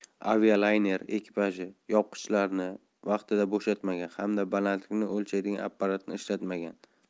avialayner ekipaji yopqichlarni vaqtida bo'shatmagan hamda balandlikni o'lchaydigan apparatni ishlatmagan